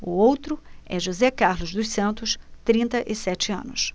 o outro é josé carlos dos santos trinta e sete anos